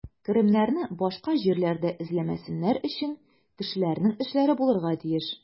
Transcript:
Керемнәрне башка җирләрдә эзләмәсеннәр өчен, кешеләрнең эшләре булырга тиеш.